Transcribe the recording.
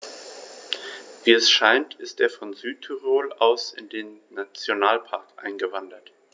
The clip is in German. Wie es scheint, ist er von Südtirol aus in den Nationalpark eingewandert.